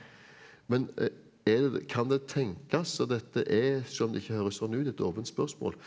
men er kan det tenkes at dette er, sjøl om det ikke høres sånn ut, et åpent spørsmål?